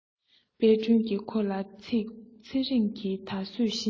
དཔལ སྒྲོན གྱིས ཁོ ལ གཅིག ཚེ རིང ནི ད གཟོད གཞི ནས